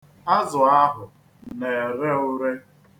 Azụ ahụ na-ere ure.